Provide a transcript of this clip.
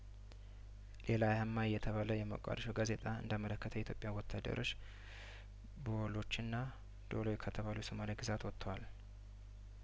ሌላ አያማ የተባለየሞቃዲሾ ጋዜጣ እንዳ መለከተው የኢትዮጵያ ወታደሮች ቡሎችና ዶሎ ከተባሉ የሶማሊያግዛት ወጥተዋል